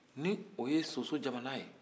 ni o ye soso jamana ye